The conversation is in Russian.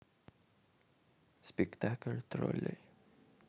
спектакль троллей